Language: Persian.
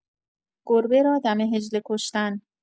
گربه را دم حجله کشتن